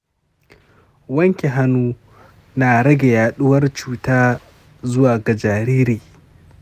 wanke hannu na rage yaɗuwar cuta zuwa ga jariri.